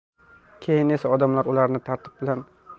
keyin esa odamlar ularni tartib